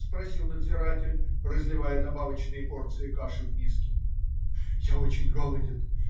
- спросил надзиратель, разливая добавочные порции каши в миски. - Я очень голоден.